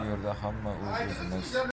yerda hamma o'z o'zimiz